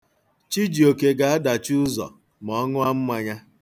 Chijioke ga-adachi ụzọ ma ọ ṅụọ mmanya.